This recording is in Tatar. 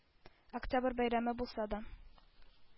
Октябрь бәйрәме булса да